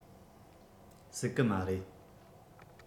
སྲིད གི མ རེད